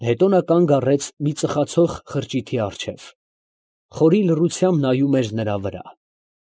Հետո նա կանգ առեց մի ծխացող խրճիթի առջև, խորին լռությամբ նայում էր նրա վրա։